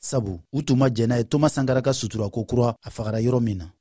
sabu u tun ma jɛn ni a ye toma sankara ka sutura kokura a fagara yɔrɔ min na